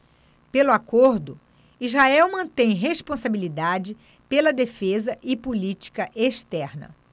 pelo acordo israel mantém responsabilidade pela defesa e política externa